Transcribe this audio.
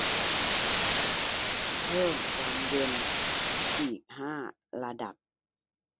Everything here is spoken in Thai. เพิ่มความเย็นอีกห้าระดับ